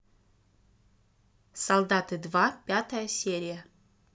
солдаты два пятая серия